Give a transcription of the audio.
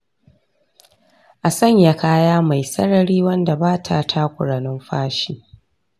a sanya kaya mai sarari wanda ba ta takura numfashi.